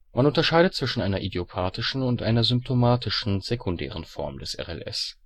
unterscheidet zwischen einer idiopathischen und einer symptomatischen (sekundären) Form des RLS